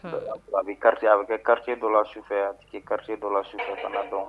Hun a bɛ quartier a bɛ kɛ quartier dɔ la sufɛ a ti kɛ quartier dɔ la sufɛ fana _ donc